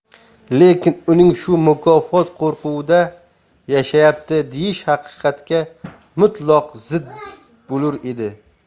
lekin uning shu mukofot qo'rquvida yashayapti deyish haqiqatga mutlaq zid bo'lur edi